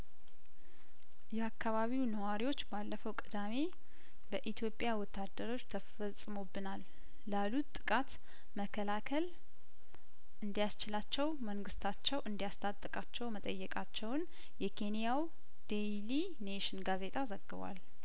የአካባቢው ነዋሪዎች ባለፈው ቅዳሜ በኢትዮጵያ ወታደሮች ተፈጽሞ ብናል ላሉት ጥቃት መከላከል እንዲ ያስችላቸው መንግስታቸው እንዲያስ ታጥቃቸው መጠየቃቸውን የኬንያው ዴይሊ ኔሽን ጋዜጣ ዘግቧል